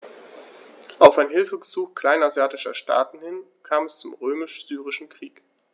Auf ein Hilfegesuch kleinasiatischer Staaten hin kam es zum Römisch-Syrischen Krieg.